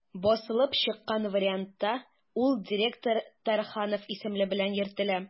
Басылып чыккан вариантта ул «директор Тарханов» исеме белән йөртелә.